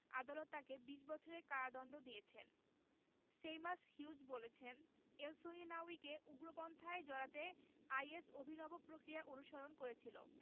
আদালত তাকে ২০ বছরের কারাদণ্ড দিয়েছেন সেইমাস হিউজ বলছেন এলসহিনাউয়িকে উগ্রপন্থায় জড়াতে আইএস অভিনব প্রক্রিয়া অনুসরণ করেছিল